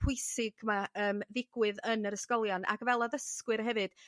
pwysig ma' yym ddigwydd yn yr ysgolion ac fel addysgwyr hefyd